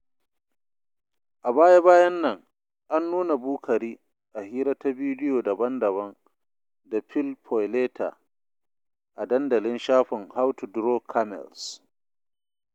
A baya--bayan nan, an nuna Boukary a hira ta bidiyoyi daban-daban da Phil Paoletta a dandalin shafin 'How to Draw Camels'.